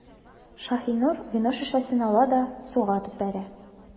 Шаһинур вино шешәсен ала да суга атып бәрә.